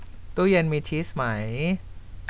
ตู้เย็็นมีชีสไหม